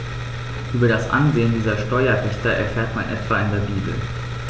Über das Ansehen dieser Steuerpächter erfährt man etwa in der Bibel.